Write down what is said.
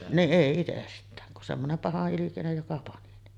niin ei itsestään kun semmoinen pahanilkinen joka pani ne